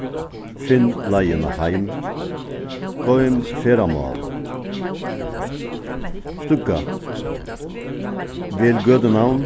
finn leiðina heim goym ferðamál støðga vel gøtunavn